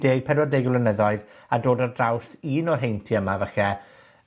deg, pedwa deg o blynyddoedd, a dod ar draws un o'r heintie 'ma falle,